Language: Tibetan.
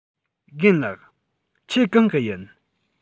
རྒན ལགས ཁྱེད གང གི ཡིན